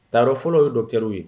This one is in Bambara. Ta yɔrɔ fɔlɔ o ye docteur ye.